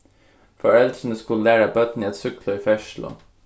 foreldrini skulu læra børnini at súkkla í ferðslu